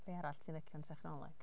Be arall ti'n licio yn technoleg?